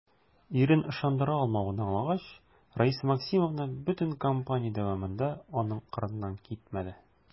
Ирен ышандыра алмавын аңлагач, Раиса Максимовна бөтен кампания дәвамында аның кырыннан китмәде.